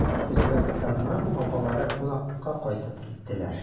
Үзбәкстаннан апалары кунакка кайтып киттеләр.